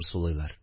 Сулыйлар